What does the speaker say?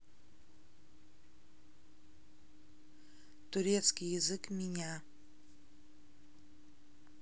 турецкий язык меня